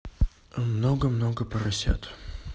много много много поросят